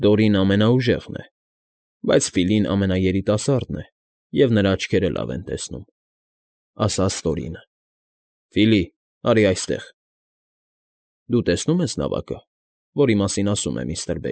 Դորին ամենաուժեղն է, բայց Ֆիլին ամենաերիտասարդն է, և նրա աչքերը լավ են տեսնում,֊ ասաց Տորինը։֊ Ֆիլի, արի այստեղ, դու տեսնո՞ւմ ես նավակը, որի մասին ասում է միստր։